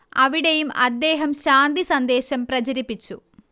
അവിടെയും അദ്ദേഹം ശാന്തി സന്ദേശം പ്രചരിപ്പിച്ചു